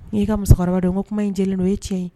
N'i ka musokɔrɔbakɔrɔba dɔn ko kuma in jeli don o ye tiɲɛ ye